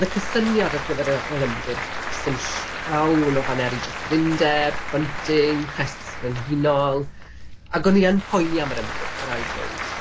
Oedd y cysyniad ar gyfer y yr ymgyrch jyst yn llawn o faneri jac yr undeb, bunting, crests brenhinol, ac o'n i yn poeni am yr ymgyrch, ma' raid dweud.